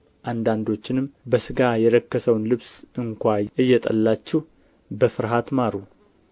አንዳንዶችንም በሥጋ የረከሰውን ልብስ እንኳ እየጠላችሁ በፍርሃት ማሩ